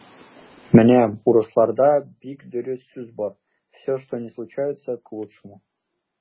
Менә урысларда бик дөрес сүз бар: "все, что ни случается - к лучшему".